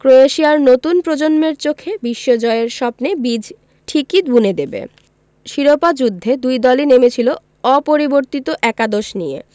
ক্রোয়েশিয়ার নতুন প্রজন্মের চোখে বিশ্বজয়ের স্বপ্নে বীজ ঠিকি বুনে দেবে শিরোপা যুদ্ধে দু দলই নেমেছিল অপরিবর্তিত একাদশ নিয়ে